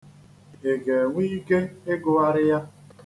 Ị ga-enwe ike ịgụgharị ya?